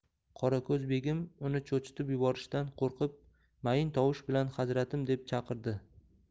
qorako'z begim uni cho'chitib yuborishdan qo'rqib mayin tovush bilan hazratim deb chaqirdi